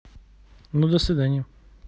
ну до свидания